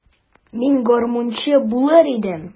Мин гармунчы булыр идем.